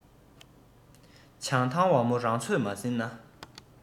བྱང ཐང ཝ མོ རང ཚོད མ ཟིན ན